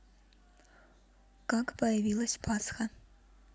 как появилась пасха